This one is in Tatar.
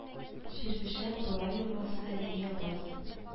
Чирмешән Бола елгасы Зөя бас